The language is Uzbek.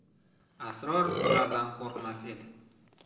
asror bulardan qurqmas edi